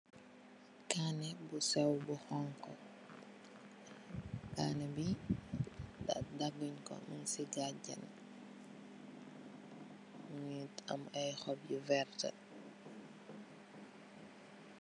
Kaané bu seew, bu xoñxa, kaané biir, dagguñ ko, muñ si gaanchax bi. Mu ngee am xob yu werta.